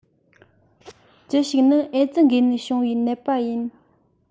ཅི ཞིག ནི ཨེ ཙི འགོས ནད བྱུང བའི ནད པ ཡིན